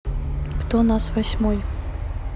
кто нас восьмой